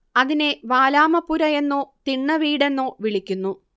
അതിനെ വാലാമപ്പുര എന്നോ തിണ്ണവീടെന്നോ വിളിക്കുന്നു